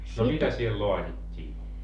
no mitä siellä laadittiin